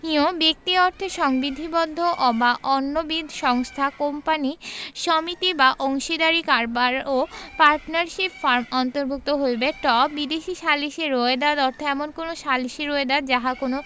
ঞ ব্যক্তি অর্থে সংবিধিবদ্ধ বা অন্যবিধ সংস্থা কোম্পানী সমিতি এবং অংশীদারী কারবারও পার্টনারশিপ ফার্ম অন্তর্ভুক্ত হইবে ট বিদেশী সালিসী রোয়েদাদ অর্থ এমন কোন সালিসী রোয়েদাদ যাহা কোন